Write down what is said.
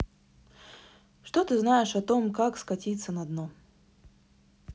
что ты знаешь о том как скатиться на дно